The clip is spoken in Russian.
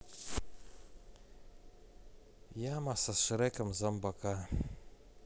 яма со шреком зомбака